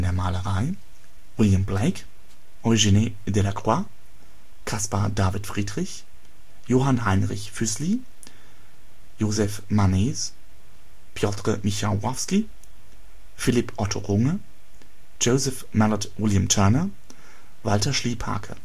Malerei William Blake, Eugène Delacroix, Caspar David Friedrich, Johann Heinrich Füssli, Josef Mánes, Piotr Michałowski, Philipp Otto Runge, Joseph Mallord William Turner, Walter Schliephacke